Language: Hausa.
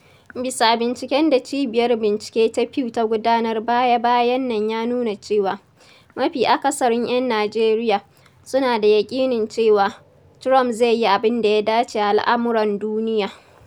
Bisa binciken da Cibiyar Bincike ta Pew ta gudanar baya-bayan nan ya nuna cewa, mafi akasarin 'yan Nijeriya 'suna da yaƙinin cewa, Trump zai yi abin da ya dace a al'amuran duniya'.